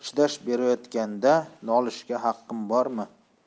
chidash berayotganda nolishga haqqim bormi